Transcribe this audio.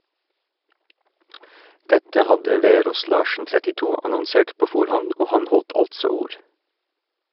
Dette hadde Verås Larsen (32) annonsert på forhånd, og han holdt altså ord.